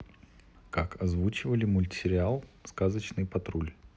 как озвучивали мультсериал сказочный патруль